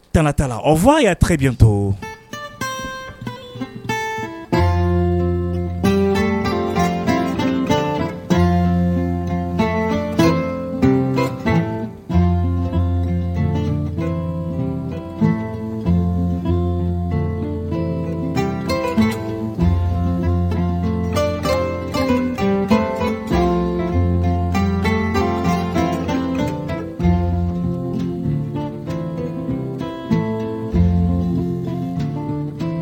Tan t'a la o fɔ a y'a tile to